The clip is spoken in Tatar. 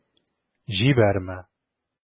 Җибәрмә...